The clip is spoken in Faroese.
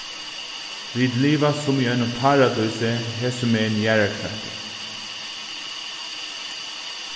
vit liva sum í einum paradísi hesumegin jarðarknøttin